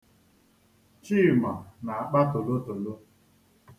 Chima na-akpa tolotolo